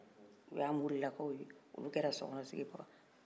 o ye a morila kaw ye olu kɛra sokɔnɔ sigin bakaw ye